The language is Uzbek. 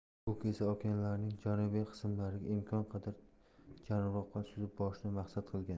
kuk esa okeanlarning janubiy qismlariga imkon qadar janubroqqa suzib borishni maqsad qilgan